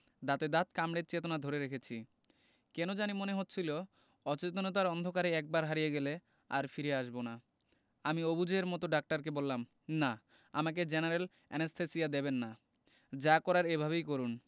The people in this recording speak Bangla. দাঁতে দাঁত কামড়ে চেতনা ধরে রেখেছি কেন জানি মনে হচ্ছিলো অচেতনতার অন্ধকারে একবার হারিয়ে গেলে আর ফিরে আসবো না আমি অবুঝের মতো ডাক্তারকে বললাম না আমাকে জেনারেল অ্যানেসথেসিয়া দেবেন না যা করার এভাবেই করুন